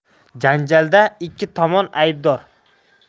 janjalda ikki tomon aybdor